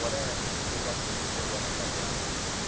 bola bevoshlikka o'rganib qolgan